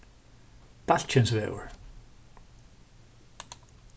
dalkinsvegur